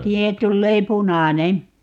siihen tulee punainen